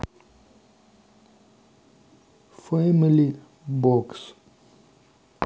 фэмили бокс